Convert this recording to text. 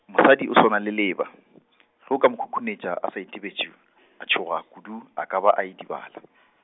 mosadi o swana le leeba, go ka mo khukhunetša a sa itebetše , a tšhoga kudu, a ka ba a idibala .